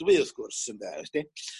chwiliadwy wrth gwrs ynde wsti.